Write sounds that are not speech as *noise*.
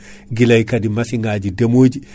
*breath* guilay kaadi massiŋaji deemoji